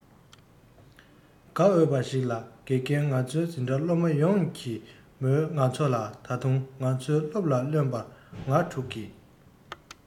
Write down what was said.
དགའ འོས པ ཞིག ལ དགེ རྒན ང ཚོའི འཛིན གྲྭའི སློབ མ ཡོངས ཀྱིས མོའི ང ཚོ ལ ད དུང ང ཚོའི སློབ ལ བརྩོན པ ང དྲུག གིས